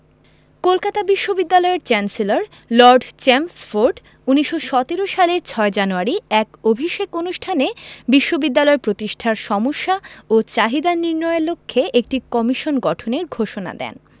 কলকাতা বিশ্ববিদ্যালয়ের chancellor lord Chelmsford ১৯১৭ সালের ৬ জানুয়ারি এক অভিষেক অনুষ্ঠানে বিশ্ববিদ্যালয় প্রতিষ্ঠার সমস্যা ও চাহিদা নির্ণয়ের লক্ষ্যে একটি কমিশন গঠনের ঘোষণা দেন